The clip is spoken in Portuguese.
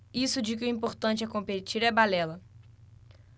isso de que o importante é competir é balela